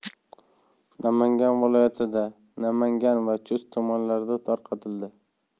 namangan viloyatida namangan va chust tumanlarida tarqatildi